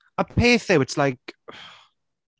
A peth yw, it’s like .